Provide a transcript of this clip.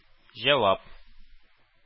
Җавап